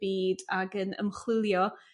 byd ag yn ymchwilio